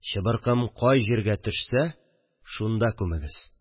Чыбыркым кай җиргә төшсә, шунда күмегез